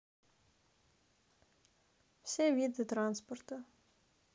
все виды транспорта